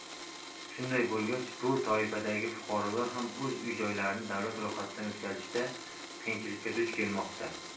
shunday bo'lgach bu toifadagi fuqarolar ham o'z uy joylarini davlat ro'yxatidan o'tkazishda qiyinchilikka duch kelmoqda